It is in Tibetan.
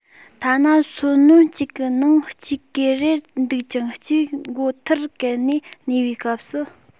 ཐ ན སོན སྣོད གཅིག གི ནང གཅིག ཀེར རེར འདུག ཅིང གཅིག མགོ ཐུར བཀལ ནས གནས པའི སྐབས སུ